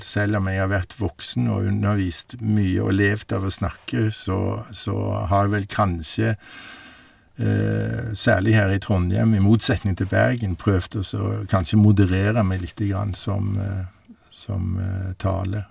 Selv om jeg har vært voksen og undervist mye og levd av å snakke, så så har jeg vel kanskje, særlig her i Trondhjem, i motsetning til Bergen, prøvd å så kanskje moderere meg lite grann som som tale.